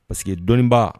Paseke dɔɔninba